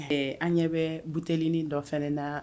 Ɛɛ an ɲɛ bɛ buteliini dɔ fana na